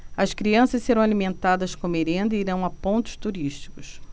as crianças serão alimentadas com merenda e irão a pontos turísticos